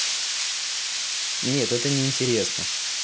нет это не интересно